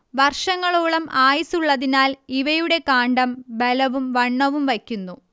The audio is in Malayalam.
വർഷങ്ങളോളം ആയുസ്സുള്ളതിനാൽ ഇവയുടെ കാണ്ഡം ബലവും വണ്ണവും വയ്ക്കുന്നു